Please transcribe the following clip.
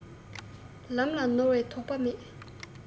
ལམ ལ ནོར བའི དོགས པ མེད